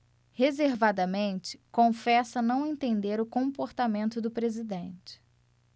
reservadamente confessa não entender o comportamento do presidente